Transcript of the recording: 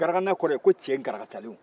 garakanna kɔrɔ ye ko cɛ garakasalenw